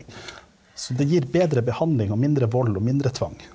så det gir bedre behandling og mindre vold og mindre tvang.